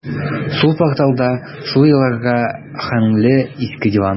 Сул порталда шул елларга аһәңле иске диван.